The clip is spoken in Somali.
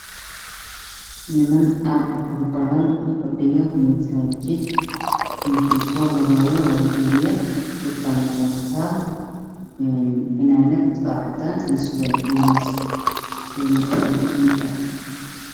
Waa niman aad u faro badan oo fadhiyo masaajid kan ugu soo horeeyo waa wiil yar waxuu wataa fanaanad cadaan iyo surwaal jeemis buluug ah.